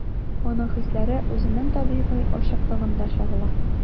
Аның хисләре үзенең табигый ачыклыгында чагыла.